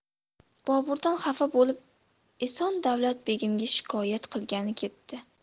boburdan xafa bo'lib eson davlat begimga shikoyat qilgani ketdi